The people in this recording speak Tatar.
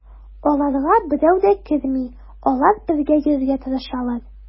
Аларга берәү дә керми, алар бергә йөрергә тырышалар.